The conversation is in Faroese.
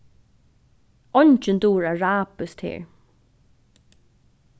eingin dugir arabiskt her